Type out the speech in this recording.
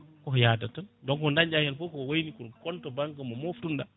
koko yadata tan donc dañɗa hen foof koko wayni ko compte banque mo moftunoɗa